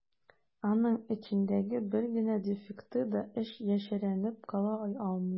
Аның эчендәге бер генә дефекты да яшеренеп кала алмый.